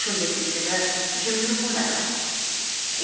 shunday kechada jim yurib bo'ladimi